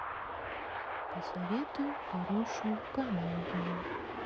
посоветуй хорошую комедию